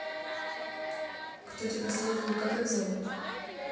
кто тебя создал и как их зовут